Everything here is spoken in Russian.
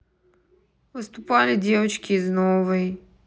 выступали девочки из новой